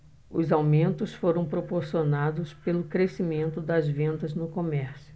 os aumentos foram proporcionados pelo crescimento das vendas no comércio